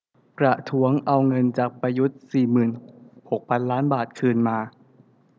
ประท้วงเอาเงินจากประยุทธ์สี่หมื่นหกพันล้านบาทคืนมา